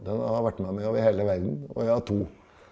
den har vært med med over hele verden og jeg har to.